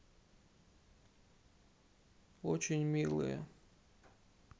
очень милые